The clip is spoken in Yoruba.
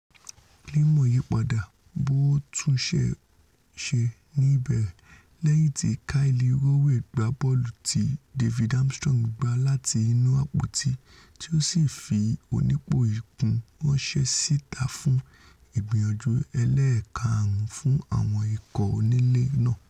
Climo yí padà, bí ó tunṣe ṣe n’ibẹ̀rẹ̀, lẹ́yìn tí Kyle Rowe gba bọ́ọ̀lù ti David Armstrong gbá lati inú apoti tí ó sì fi onípò-igun ránṣẹ́ síta fún ìgbìyànjú ẹlẹẹ̀kaàrún fun àwọn ikọ̀ onílé náà.